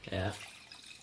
Ia.